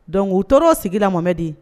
Don u tora sigira momɛ di